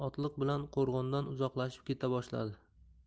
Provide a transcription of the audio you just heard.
otliq bilan qo'rg'ondan uzoqlashib keta boshladi